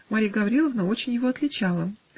Марья Гавриловна очень его отличала.